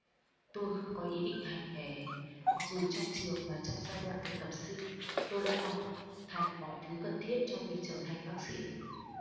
tôi không có ý định hành nghề mặc dù trong trường và trong giai đoạn thực tập sinh tôi đã hoàn thành mọi thứ cần thiết cho việc trở thành bác sĩ